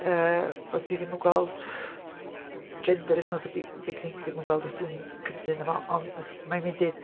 Yym bod hi ddim yn gweld, gender is not a big big thing, 'di ddim yn gweld os di'n cytuno efo fo ond fel mae'n dweud